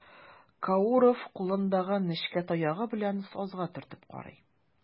Кауров кулындагы нечкә таягы белән сазга төртеп карый.